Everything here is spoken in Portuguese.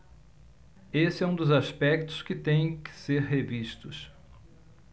esse é um dos aspectos que têm que ser revistos